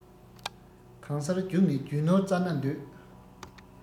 གང སར རྒྱུགས ནས རྒྱུ ནོར བཙལ ན འདོད